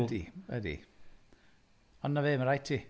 Ydy, ydy. Ond dyna fe, mae'n rhaid ti.